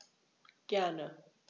Gerne.